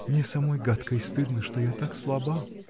Мне самой гадко и стыдно, что я так слаба.